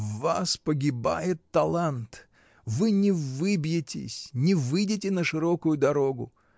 — В вас погибает талант; вы не выбьетесь, не выйдете на широкую дорогу.